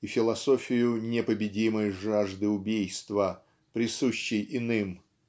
и философию "непобедимой жажды убийства" присущей иным.